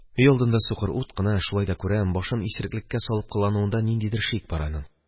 Өйалдында сукыр ут кына, шулай да күрәм: башын исереклеккә салып кылануында бер шик бар аның.